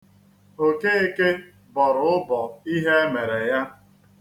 Okeke bọrọ ụbọ ihe e mere ya.